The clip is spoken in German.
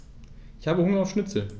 Ich habe Hunger auf Schnitzel.